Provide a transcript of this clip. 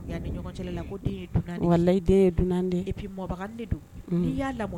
ɲɔgɔn cɛ la ko den ye dunan de ye, walahi den ye dunan de ye, et puis mɔbaganin de don, n'i y'a lamɔ